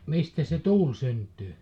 mistä se tuuli syntyy